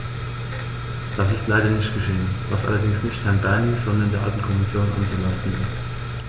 Das ist leider nicht geschehen, was allerdings nicht Herrn Bernie, sondern der alten Kommission anzulasten ist.